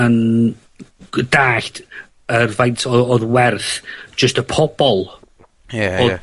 yn gw- dallt yr faint o- odd werth jyst y pobol... Ie ie. ...odd